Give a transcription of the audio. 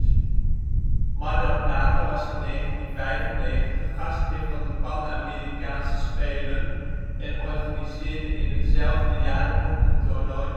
Mar del Plata was in 1995 gastheer van de Pan-Amerikaanse Spelen en organiseerde in hetzelfde jaar het hockeytoernooi